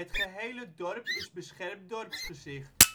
gehele dorp is beschermd dorpsgezicht